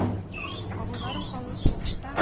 Абыйларым канлы сугышта